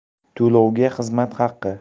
to'lovga xizmat haqi